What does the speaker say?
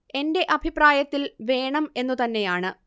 എന്റെ അഭിപ്രായത്തിൽ വേണം എന്നു തന്നെയാണ്